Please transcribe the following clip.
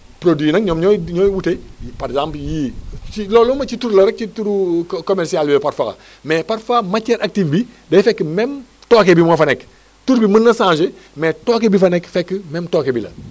produit yi nag ñoom ñooy ñooy wute par exemple yii ci looloo ma ci tur la rek ci turu co commercial bi la parfois mais parfois matière active bi day fekk même tooke bi moo fa nekk tur bi mën na changé mais tooke bi fa nekk fekk mêm tooke bi la